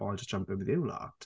"Oh, I'll just jump in with you lot."